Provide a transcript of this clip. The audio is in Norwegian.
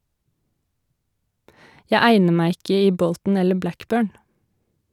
- Jeg egner meg ikke i Bolton eller Blackburn.